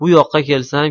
bu yoqqa kelsam